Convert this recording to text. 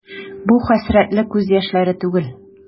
Бу хәсрәтле күз яшьләре түгел.